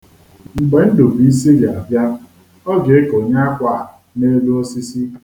Mgbe Ndubisi ga-abịa, ọ ga-ekonye akwa a n'elu osisi.